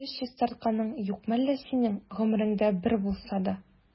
Теш чистартканың юкмы әллә синең гомереңдә бер булса да?